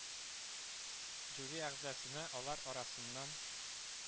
Жюри әгъзасына алар арасыннан